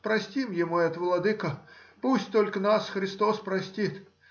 простим ему это, владыко,— пусть только нас Христос простит.